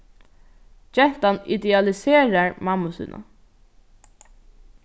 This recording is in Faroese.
gentan idealiserar mammu sína